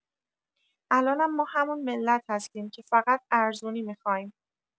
الانم ما همون ملت هستیم که فقط ارزونی می‌خوایم.